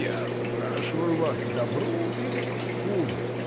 — Я спрашиваю вас: к добру или к худу?